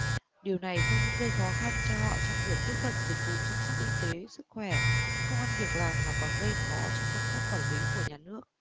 điều này không những gây khó khăn cho họ trong việc tiếp cận dịch vụ chăm sóc y tế sức khỏe công ăn việc làm mà còn gây khó cho công tác quản lý của nhà nước